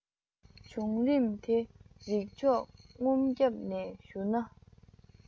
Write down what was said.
བྱུང རིམ དེ རིགས ཕྱོགས བསྡོམས བརྒྱབ ནས ཞུ ན